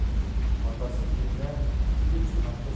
otasi tunda ikki uch marta